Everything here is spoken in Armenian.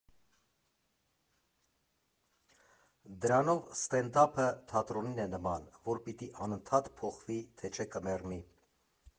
Դրանով ստենդափը թատրոնին է նման, որ պիտի անընդհատ փոխվի, թե չէ կմեռնի։